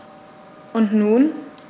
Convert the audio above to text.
Und nun?